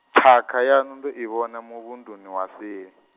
thakha yaṋu ndo i vhona muvhunduni wa seli.